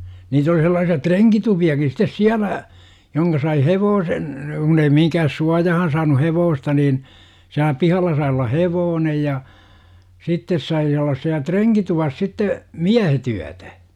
niitä oli sellaisia renkitupiakin sitten siellä johon sai hevosen kun ei mihinkään suojaan saanut hevosta niin siellä pihalla sai olla hevonen ja sitten sai olla siellä renkituvassa sitten miehet yötä